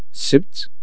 سبت